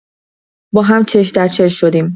با هم چشم در چشم شدیم.